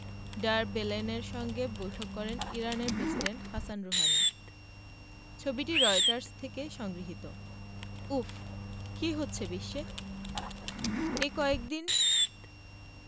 der বেলেনের সঙ্গে বৈঠক করেন ইরানের প্রেসিডেন্ট হাসান রুহানি ছবিটি রয়টার্স থেকে সংগৃহীত উফ্ কী হচ্ছে বিশ্বে এই কয়েক দিন